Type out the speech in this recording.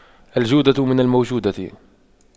الجودة من الموجودة